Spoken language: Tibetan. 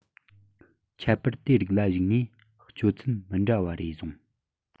ཁྱད པར དེ རིགས ལ གཞིགས ནས སྤྱོད ཚུལ མི འདྲ བ རེ བཟུང